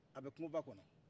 a bɛ kungoba kɔnɔ